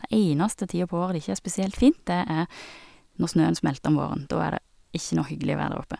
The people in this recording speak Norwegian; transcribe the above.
Den eneste tida på året det ikke er spesielt fint, det er når snøen smelter om våren, da er det ikke noe hyggelig å være der oppe.